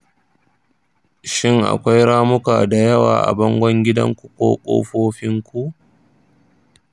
shin akwai ramuka da yawa a bangon gidanku ko ƙofofinku?